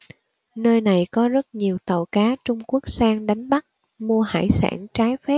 nơi này có rất nhiều tàu cá trung quốc sang đánh bắt mua hải sản trái phép